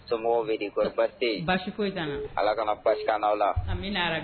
Somɔgɔw bɛ di kori baasi te yen? Baasi foyi tan na. Ala ka na baasi kan naw la